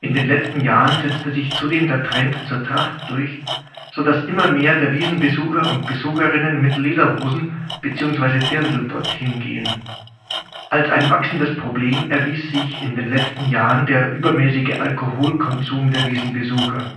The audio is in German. letzten Jahren setzte sich zudem der Trend zur Tracht durch, so dass immer mehr der Wiesnbesucher (innen) mit Lederhosen bzw. Dirndl dorthin gehen. Als ein wachsendes Problem erwies sich in den letzten Jahren der übermäßige Alkoholkonsum der Wiesnbesucher